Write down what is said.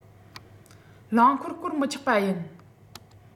རླངས འཁོར སྐོར མི ཆོག པ ཡིན